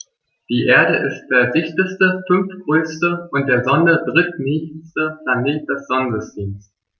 Die Erde ist der dichteste, fünftgrößte und der Sonne drittnächste Planet des Sonnensystems.